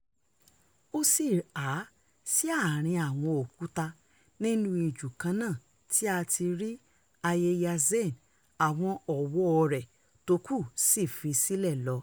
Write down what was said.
Ó sì há sí àárín àwọn òkúta nínú ijù kan náà tí a ti rí Ayeyar Sein, àwọn ọ̀wọ́ọ rẹ̀ tó kù fi í sílẹ̀ lọ.